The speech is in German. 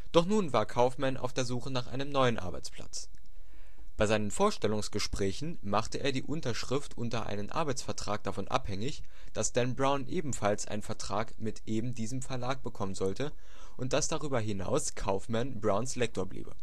Doch nun war Kaufman auf der Suche nach einem neuen Arbeitsplatz. Bei seinen Vorstellungsgesprächen machte er die Unterschrift unter einen Arbeitsvertrag davon abhängig, dass Dan Brown ebenfalls einen Vertrag mit eben diesem Verlag bekommen sollte und dass darüber hinaus Kaufman Browns Lektor bliebe